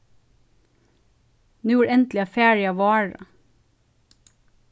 nú er endiliga farið at vára